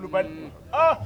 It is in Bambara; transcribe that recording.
Kulubali